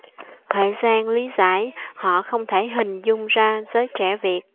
huệ giang lý giải họ không thể hình dung ra giới trẻ việt